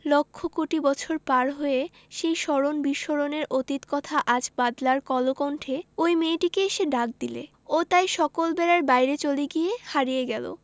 লক্ষ কোটি বছর পার হয়ে সেই স্মরণ বিস্মরণের অতীত কথা আজ বাদলার কলকণ্ঠে ঐ মেয়েটিকে এসে ডাক দিলে ও তাই সকল বেড়ার বাইরে চলে গিয়ে হারিয়ে গেল